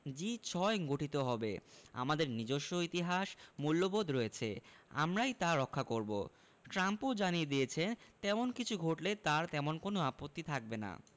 জি ৬ গঠিত হবে আমাদের নিজস্ব ইতিহাস মূল্যবোধ রয়েছে আমরাই তা রক্ষা করব ট্রাম্পও জানিয়ে দিয়েছেন তেমন কিছু ঘটলে তাঁর তেমন কোনো আপত্তি থাকবে না